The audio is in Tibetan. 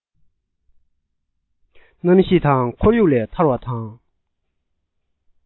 གནམ གཤིས དང ཁོར ཡུག ལས ཐར བ དང